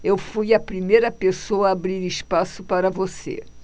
eu fui a primeira pessoa a abrir espaço para você